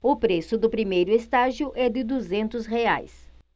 o preço do primeiro estágio é de duzentos reais